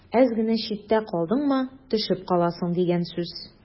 Әз генә читтә калдыңмы – төшеп каласың дигән сүз.